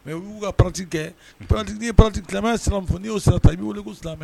Mɛ u y'u ka p parti kɛ p pati n' ye p pati silamɛmɛ sira fɔ n' y'o sirata i bɛ weele' silamɛ